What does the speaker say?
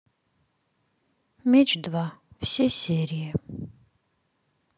меч два все серии